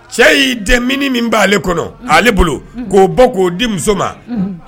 Cɛ y'i dɛn min min b'ale kɔnɔ,. Unhun! Ale bolo. Unhun! K'o bɔ k'o di muso ma. Unhun!